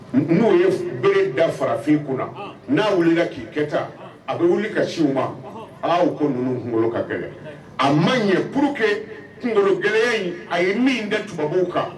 N'o ye bɛɛ da farafin kunna n'a wili k'i kɛyita a bɛ wuli ka si u ma ko ninnu kunkolo ka kɛ a ma ɲɛ kuru kɛ kunkolo gɛlɛya a ye min bɛ tubabubaw kan